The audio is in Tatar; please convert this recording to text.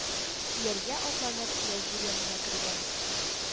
Ияргә атланып, вәзир янына кергән.